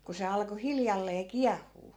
kun se alkoi hiljalleen kiehua